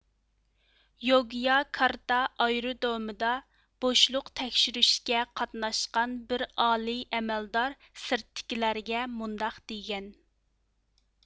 يوگياكارتا ئايرودرومىدا بوشلۇق تەكشۈرۈشكە قاتناشقان بىر ئالىي ئەمەلدار سىرتتىكىلەرگە مۇنداق دېگەن